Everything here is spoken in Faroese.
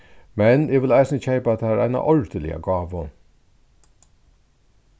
men eg vil eisini keypa tær eina ordiliga gávu